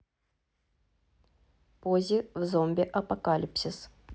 поззи в зомби апокалипсис